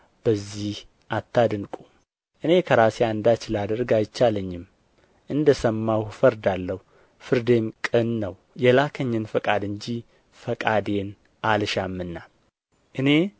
በዚህ አታድንቁ እኔ ከራሴ አንዳች ላደርግ አይቻለኝም እንደ ሰማሁ እፈርዳለሁ ፍርዴም ቅን ነው የላከኝን ፈቃድ እንጂ ፈቃዴን አልሻምና እኔ ስለ እኔ ስለ ራሴ ብመሰክር ምስክሬ እውነት አይደለም